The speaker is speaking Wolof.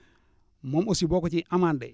moom aussi boo ko ci amandé